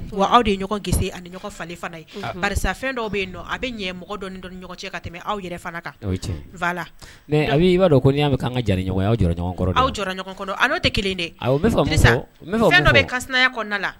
Wa aw de ye ɲɔgɔn gese ani ni ɲɔgɔn falen fana ye, bari sa fɛn dɔw bɛ nɔ , aw bɛ ɲɛ mɔgɔ dɔ ni ɲɔgɔn cɛ ka tɛmɛ aw yɛrɛ fana kan, o ye tiɲɛ ye, voilà , mais Abi i b'a dɔn , ko n'i y'a mɛn k'an ka jari ɲɔgɔn ye aw jɔra ɲɔgɔn kɔrɔ, aw jɔra ɲɔgɔn kɔrɔ, a n'o tɛ kelen ye dɛ, awɔ , n bɛ fɛ ka min fɔ, Dirisa,n bɛ fɛ ka min fɔ, fɛn dɔ bɛ kansinaya kɔnɔna la